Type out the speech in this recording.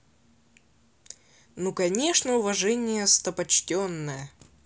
ну конечно уважение сто почетное